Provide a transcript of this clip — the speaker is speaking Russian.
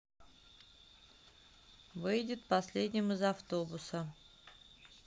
выйдет последним из автобуса